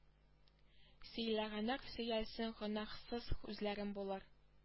Сөйләгәннәр сөйләсен гөнаһсыз үзләренә булыр